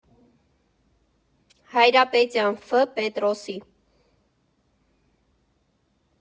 Հայրապետյան Ֆ Պետրոսի։